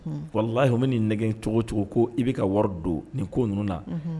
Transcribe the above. Walahi u ma ni nɛgɛn cogo cogo ko i bɛ ka wari don ni ko ninnu na